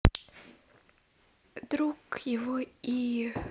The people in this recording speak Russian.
друг его и